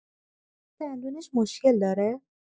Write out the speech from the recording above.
دندونش مشکل داره؟